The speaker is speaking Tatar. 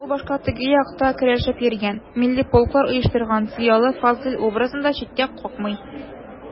Ул башта «теге як»та көрәшеп йөргән, милли полклар оештырган зыялы Фазыйл образын да читкә какмый.